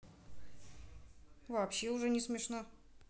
вообще уже не смешно